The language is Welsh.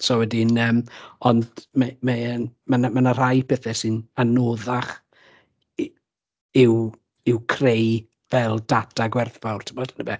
so wedyn ymm ond ma' mae e'n... ma' ma' 'na rai pethe sy'n anoddach i- i'w creu fel data gwerthfawr timod yndyfe